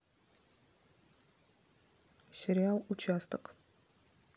сериал участок